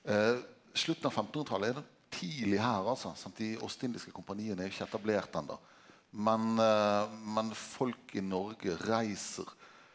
slutten av femtenhundretalet er tidleg her altså sant dei ostindiske kompania er jo ikkje etablert enda, men men folk i Noreg reiser.